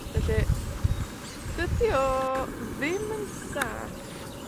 Felly, dydi o ddim yn saff.